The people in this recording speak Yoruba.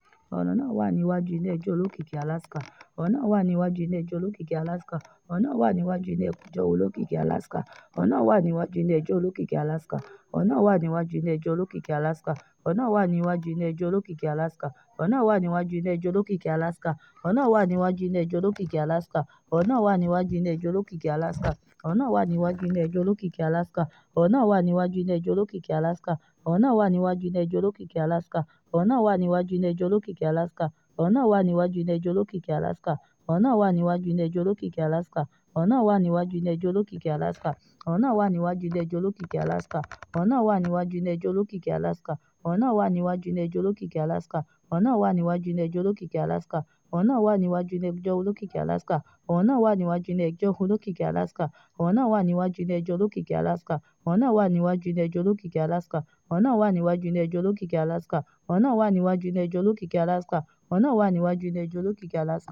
Ọ̀ràn náà wà ní iwájú ilé ẹjọ Olókìkí Alaska.